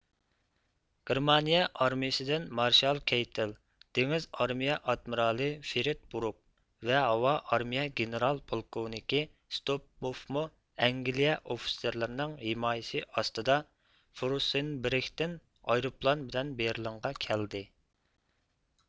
گېرمانىيە ئارمىيىسىدىن مارشال كېيتېل دېڭىز ئارمىيە ئادمېرالى فرېد بۇرگ ۋە ھاۋا ئارمىيە گېنېرال پولكوۋنىكى ستوپمپۇفمۇ ئەنگلىيە ئوفىتسېرلىرىنىڭ ھىمايىسى ئاستىدا فروسېنېبرگدىن ئايروپىلان بىلەن بېرلىنغا كەلدى